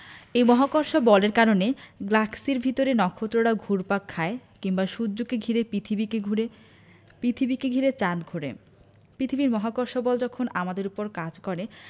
এই মহাকর্ষ বলের কারণে গ্লাক্সির ভেতরে নক্ষত্ররা ঘুরপাক খায় কিংবা সূর্যকে ঘিরে পৃথিবীকে ঘোরে পৃথিবীকে ঘিরে চাঁদ ঘোরে পৃথিবীর মহাকর্ষ বল যখন আমাদের ওপর কাজ করে